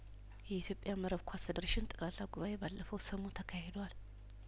የኢትዮጵያ መረብ ኳስ ፌዴሬሽን ጠቅላላ ጉባኤ ባለፈው ሰሞን ተካሂዷል